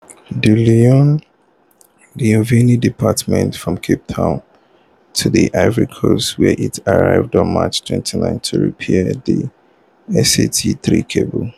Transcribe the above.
The Leon Thevenin departed from Cape Town to the Ivory Coast, where it arrived on March 29 to repair the SAT-3 cable.